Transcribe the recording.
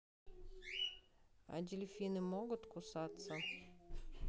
а дельфины могут кусаться